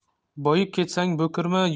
boyib ketsang bo'kirma